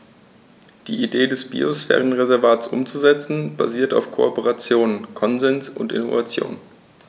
Die Idee des Biosphärenreservates umzusetzen, basiert auf Kooperation, Konsens und Innovation.